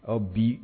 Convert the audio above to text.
Aw bi